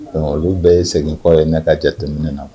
Olu bɛɛ ye segin kɔ ye na ka jate tɛmɛnun na